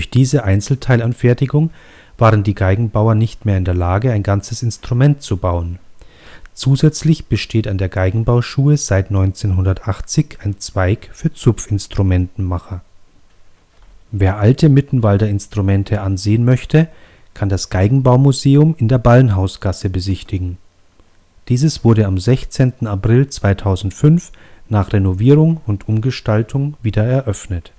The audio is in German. diese Einzelteilanfertigung waren die Geigenbauer nicht mehr in der Lage, ein ganzes Instrument zu bauen. Zusätzlich besteht an der Geigenbauschule seit 1980 ein Zweig für Zupfinstrumentenmacher. Wer alte Mittenwalder Instrumente ansehen möchte, kann das Geigenbaumuseum in der Ballenhausgasse besichtigen. Dieses wurde am 16. April 2005 nach Renovierung und Umgestaltung wieder eröffnet